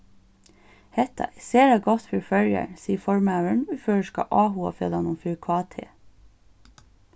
hetta er sera gott fyri føroyar sigur formaðurin í føroyska áhugafelagnum fyri kt